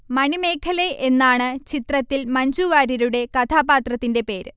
മണിമേഖലൈ എന്നാണ് ചിത്രത്തിൽ മ്ഞജുവാര്യരുടെ കഥാപാത്രത്തിന്റെ പേര്